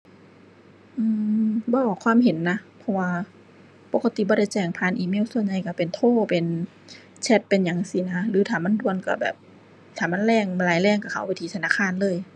อือ บ่ออกความเห็นนะ เพราะว่าปกติบ่ได้แจ้งผ่านอีเมล ส่วนใหญ่ก็เป็นโทร เป็นแชต เป็นหยังจั่งซี้น่ะ หรือถ้ามันด่วนก็แบบ ถ้ามันแรง ร้ายแรงก็เข้าไปที่ธนาคารเลย